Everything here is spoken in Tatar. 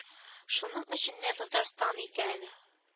Шуның эченнән татарстаннан икән